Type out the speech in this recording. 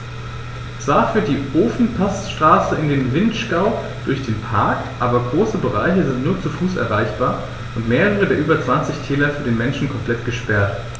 Zwar führt die Ofenpassstraße in den Vinschgau durch den Park, aber große Bereiche sind nur zu Fuß erreichbar und mehrere der über 20 Täler für den Menschen komplett gesperrt.